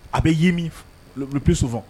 A bɛ ye min le plus souvent